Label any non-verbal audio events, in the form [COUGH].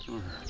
[HESITATION] [HESITATION]